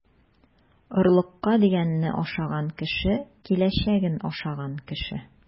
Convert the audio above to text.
Орлыкка дигәнне ашаган кеше - киләчәген ашаган кеше.